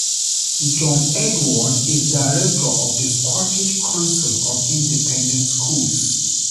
John Edward is Director of the Scottish Council of Independent Schools